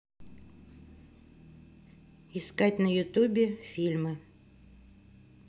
искать на ютубе фильмы